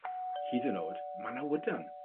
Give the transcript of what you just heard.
hyd yn o'd Manawydan.